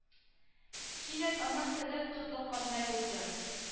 Кинәт аның теле тотлыккандай булды